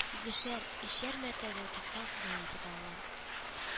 Икешәр-өчәр мәртәбә туктап ял итеп алалар